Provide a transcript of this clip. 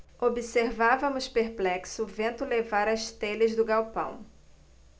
observávamos perplexos o vento levar as telhas do galpão